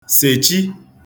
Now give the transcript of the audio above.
sèchi